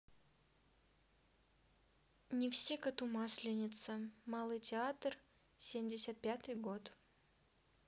не все коту масленица малый театр семьдесят пятый год